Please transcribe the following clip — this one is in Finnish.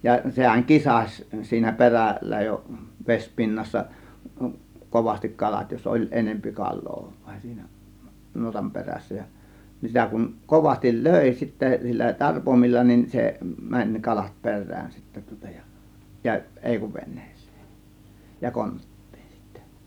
ja sehän kisasi siinä perällä jo vesipinnassa kovasti kalat jos oli enempi kalaa vain siinä nuotan perässä ja niin sitä kun kovasti löi sitten sillä tarpoimilla niin se meni ne kalat perään sitten tuota ja ja ei kuin veneeseen ja konttiin sitten